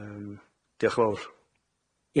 Yym, diolch 'n fawr.